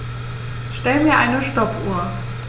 Stell mir eine Stoppuhr.